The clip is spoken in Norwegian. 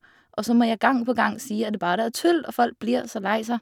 Og så må jeg gang på gang si at det bare er tull, og folk blir så lei seg.